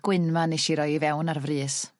gwyn 'ma nesh i roi i fewn ar frys